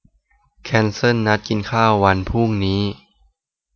แคนเซิลนัดกินข้าววันพรุ่งนี้